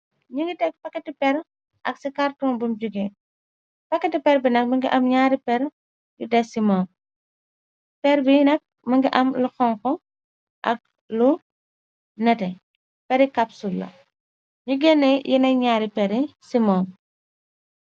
Ni ngi teg packeti peer ak ci carton bum juge packeti peer bi nak mongi am ñaari peer yu des ci moom peer bi nak mongi am lu xonko ak lu nete peeri capsul la ñu genne yena ñaari peeri ci moom.